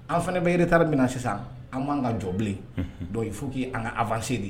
An fana bɛ yɛrɛ taarari minɛ sisan an b'an ka jɔ bilen dɔ fo k' an ka anfase de ye